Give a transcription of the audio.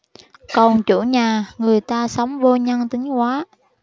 còn chủ nhà người ta sống vô nhân tính quá